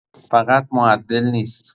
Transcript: فقط معدل نیست